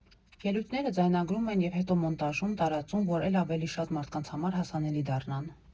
Ելույթները ձայնագրում են և հետո մոնտաժում, տարածում, որ էլ ավելի շատ մարդկանց համար հասանելի դառնան։